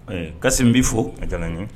Ɛ Kasim n b'i fo. O diyara n ye.